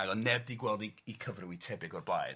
Ag oedd neb 'di gweld 'i 'i cyfryw, 'u tebyg o'r blaen.